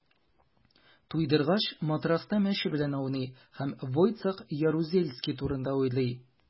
Туйдыргач, матраста мәче белән ауный һәм Войцех Ярузельский турында уйлый.